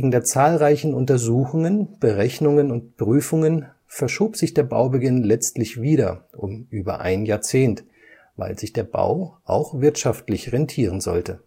der zahlreichen Untersuchungen, Berechnungen und Prüfungen verschob sich der Baubeginn letztlich wieder um über ein Jahrzehnt, weil der Bau sich auch wirtschaftlich rentieren sollte